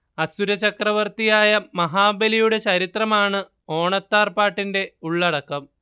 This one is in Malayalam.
അസുര ചക്രവർത്തിയായ മഹാബലിയുടെ ചരിത്രമാണ് ഓണത്താർ പാട്ടിന്റെ ഉള്ളടക്കം